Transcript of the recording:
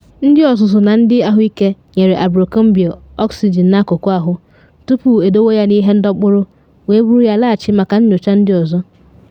Ndị ọzụzụ na ndị ahụike nyere Abercrombie oxygen n’akụkụ ahụ tupu edowe ya n’ihe ndọkpụrụ wee buru ya laghachi maka nyocha ndị ọzọ.